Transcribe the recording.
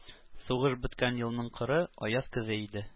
Сугыш беткән елның коры, аяз көзе иде.